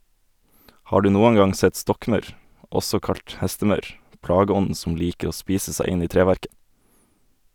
Har du noen gang sett stokkmaur, også kalt hestemaur , plageånden som liker å spise seg inn i treverket?